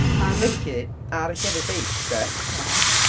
Ar yr... Felly ar y llefydd beics, 'de?... Ia?